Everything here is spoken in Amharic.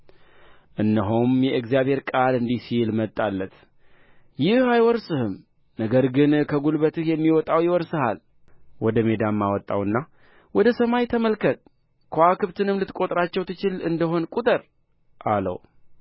እነሆም የእግዚአብሔር ቃል እንዲህ ሲል መጣለት ይህ አይወርስህም ነገር ግን ከጉልበትህ የሚወጣው ይወርስሃል ወደ ሜዳም አወጣውና ወደ ሰማይ ተመልከት ከዋክብትንም ልትቈጥራቸው ትችል እንደ ሆነ ቍጠር አለው